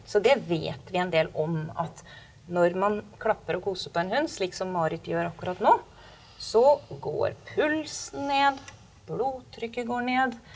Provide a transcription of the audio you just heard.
så det vet vi en del om at når man klapper og koser på en hund slik som Marit gjør akkurat nå, så går pulsen ned, blodtrykket går ned.